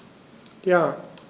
Ja.